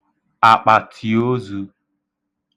àkpàtìozū